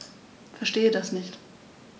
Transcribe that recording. Verstehe das nicht.